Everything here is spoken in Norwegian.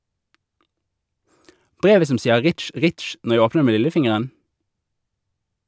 Brevet som sier ritsj, ritsj når jeg åpner det med lillefingeren?